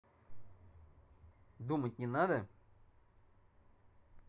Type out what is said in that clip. думать не надо